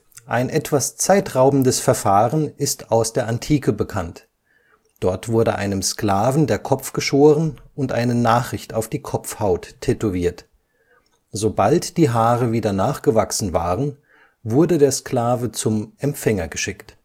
Ein etwas zeitraubendes Verfahren ist aus der Antike bekannt: Dort wurde einem Sklaven der Kopf geschoren und eine Nachricht auf die Kopfhaut tätowiert. Sobald die Haare wieder nachgewachsen waren, wurde der Sklave zum Empfänger geschickt